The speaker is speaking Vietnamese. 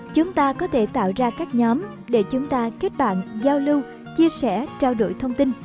chúng ta có thể tạo ra các nhóm để chúng ta kết bạn giao lưu chia sẻ trao đổi thông tin